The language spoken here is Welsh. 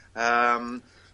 Yym.